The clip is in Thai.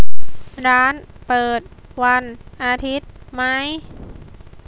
ร้านเปิดวันอาทิตย์ไหม